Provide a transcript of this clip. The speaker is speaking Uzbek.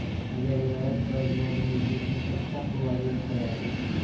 agar yog'iy biror gumoningizga ishonsa butun quvaga o't qo'yadi